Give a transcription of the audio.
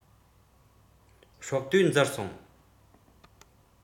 སྲོག བསྡོས འཛུལ སོང